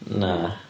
Na.